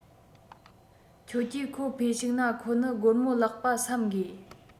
ཁྱེད ཀྱི ཁོ འཕེལ ཤུགས ན ཁོ ནི སྒོར མོ བརླག པ བསམ དགོས